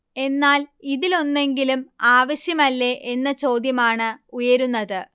എന്നാൽ ഇതിലൊന്നെങ്കിലും ആവശ്യമല്ലേ എന്ന ചോദ്യമാണ് ഉയരുന്നത്